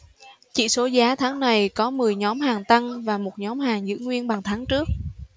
chỉ số giá tháng này có mười nhóm hàng tăng và một nhóm hàng giữ nguyên bằng tháng trước